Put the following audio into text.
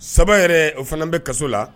3 yɛrɛ o fanan bɛ kaso la